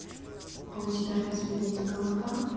а у тебя разве есть голова